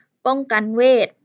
ป้องกันเวท